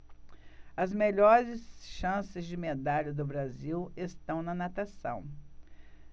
as melhores chances de medalha do brasil estão na natação